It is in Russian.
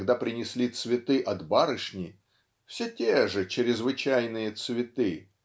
когда принесли цветы от барышни (все те же чрезвычайные цветы)